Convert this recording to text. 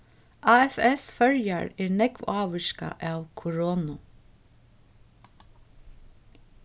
afs føroyar er nógv ávirkað av koronu